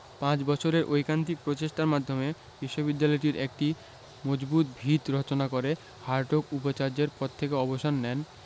পাঁচ বছরের ঐকান্তিক প্রচেষ্টার মাধ্যমে বিশ্ববিদ্যালয়টির একটি মজবুত ভিত রচনা করে হার্টগ উপাচার্যের পদ থেকে অবসর নেন